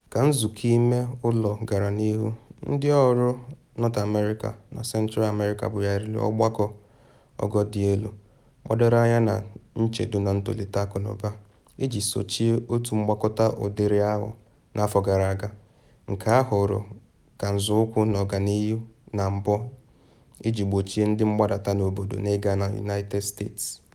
Ka nzụkọ ime ụlọ gara n’ihu, ndị ọrụ North America na Central America bugharịrị ọgbakọ ogo-dị-elu gbadoro anya na nchedo na ntolite akụnụba iji sochie otu mgbakọta ụdịrị ahụ n’afọ gara aga nke ahụrụ ka nzọụkwụ n’ọganihu na mbọ iji gbochie ndị mgbabata n’obodo na ịga na United States.